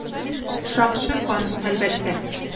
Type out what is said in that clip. Шакшы кан, әлбәттә.